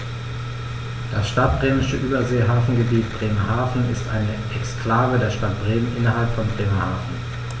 Das Stadtbremische Überseehafengebiet Bremerhaven ist eine Exklave der Stadt Bremen innerhalb von Bremerhaven.